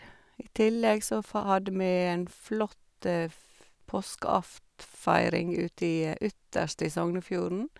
I tillegg så fa hadde vi en flott f påskeaftenfeiring uti ytterst i Sognefjorden.